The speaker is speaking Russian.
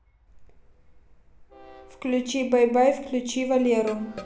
включи бай бай включи валеру